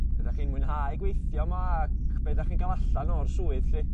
Ydach chi'n mwynhau gweithio 'ma ac be' 'dach chi'n ga'l allan o'r swydd 'lly?